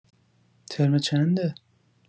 ترم چنده؟